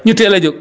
ñu teel a jóg